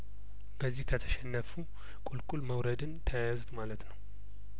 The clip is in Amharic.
በዚህ ከተሸነፉ ቁልቁል መውረድን ተያያዙት ማለት ነው